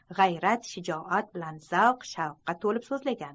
u g'ayrat shijoat bilan zavq shavqqa to'lib so'zlagan